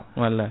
wallayi